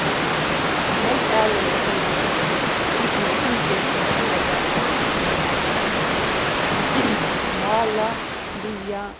ein hálv alin er tólv tummar hitin er fimmogfjøruti komma fýra gradir celsius mála bíða